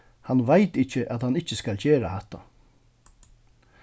hann veit ikki at hann ikki skal gera hatta